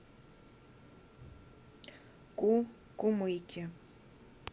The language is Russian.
ку кумыки